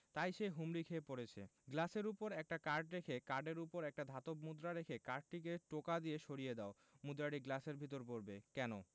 তাই সে হুমড়ি খেয়ে পড়ছে গ্লাসের উপর একটা কার্ড রেখে কার্ডের উপর একটা ধাতব মুদ্রা রেখে কার্ডটিকে টোকা দিয়ে সরিয়ে দাও মুদ্রাটি গ্লাসের ভেতর পড়বে কেন